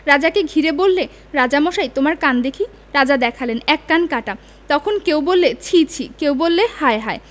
রাজাকে ঘিরে বললে রাজামশাই তোমার কান দেখি রাজা দেখালেন এক কান কাটা তখন কেউ বললে ছি ছি কেউ বললে হায় হায়